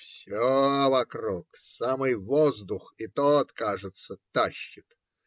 Все вокруг, самый воздух - и тот, кажется, тащит.